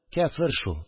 Кяфер шул